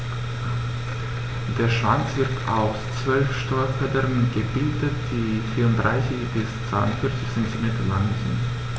Der Schwanz wird aus 12 Steuerfedern gebildet, die 34 bis 42 cm lang sind.